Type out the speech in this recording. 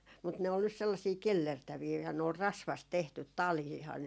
mutta ne oli nyt sellaisia kellertäviä ja ne oli rasvasta tehty taliahan